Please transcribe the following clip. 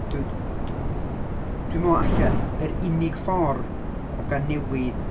Dw- dw- dwi'n meddwl alle yr unig ffordd o gael newid...